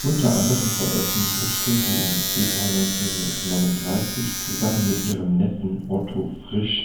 Unter anderem veröffentlichte sie im Februar 1939 zusammen mit ihrem Neffen Otto Frisch